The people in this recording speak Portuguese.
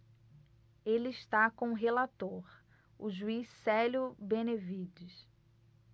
ele está com o relator o juiz célio benevides